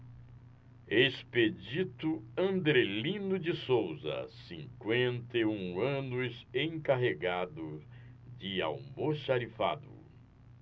expedito andrelino de souza cinquenta e um anos encarregado de almoxarifado